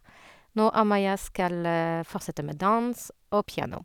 Nå Amaya skal fortsette med dans og piano.